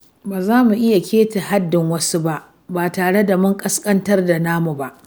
Ba za mu iya keta haddin wasu ba, ba tare da mun ƙasƙantar da namu ba.